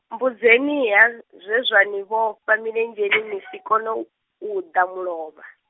mmbudzeniha, zwizwa ni vhofha milenzheni nisi kone, uda mulovha?